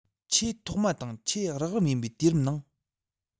ཆེས ཐོག མ དང ཆེས རགས རིམ ཡིན པའི དུས རིམ ནང